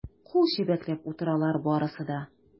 Кул чәбәкләп утыралар барысы да.